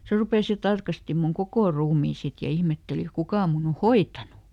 se rupesi ja tarkasti minun koko ruumiin sitten ja ihmetteli kuka minun on hoitanut